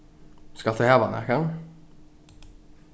skalt tú hava nakað